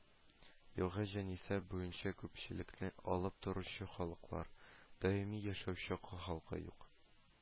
Елгы җанисәп буенча күпчелекне алып торучы халыклар: даими яшәүче халкы юк